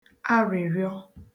àrịrịọ